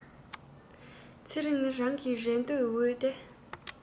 ཚེ རིང ནི རང གི རེ འདོད འོན ཏེ